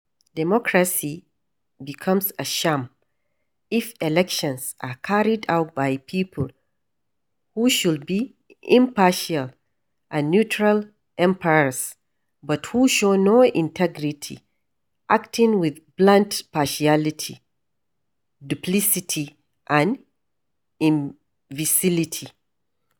Democracy becomes a sham if elections are carried out by people who should be impartial and neutral umpires, but who show no integrity, acting with blatant partiality, duplicity and imbecility.